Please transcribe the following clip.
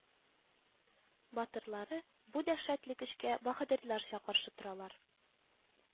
Батырлары бу дәһшәтле көчкә баһадирларча каршы торалар